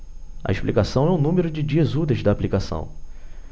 a explicação é o número de dias úteis da aplicação